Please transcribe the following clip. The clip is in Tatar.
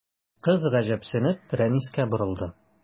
Кыз, гаҗәпсенеп, Рәнискә борылды.